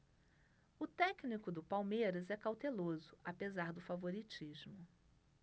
o técnico do palmeiras é cauteloso apesar do favoritismo